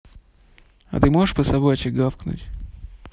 а ты можешь по собачьи гавкнуть